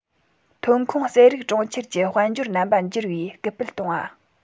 ཐོན ཁུངས ཟད རིགས གྲོང ཁྱེར གྱི དཔལ འབྱོར རྣམ པ འགྱུར བའི སྐུལ སྤེལ གཏོང བ